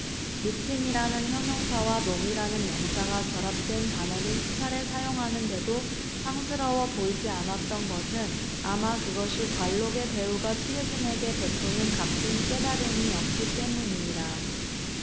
미친이라는 형용사와 놈이란 명사가 결합된 단어를 수차례 사용하는데도 상스러워 보이지 않았던 것은 아마 그것이 관록의 배우가 취재진에게 베푸는 값진 깨달음이었기 때문이리라